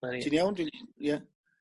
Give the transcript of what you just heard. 'na 'i. Ti'n iawn? Dwi 'di. Ia.